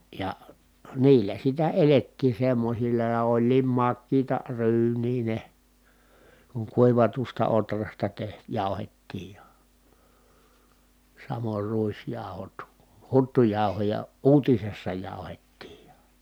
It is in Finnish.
ja niillä sitä elettiin semmoisilla ja olikin makeita ryynejä ne kun kuivatusta ohrasta - jauhettiin ja samoin ruisjauhot huttujauhoja uutisessa jauhettiin ja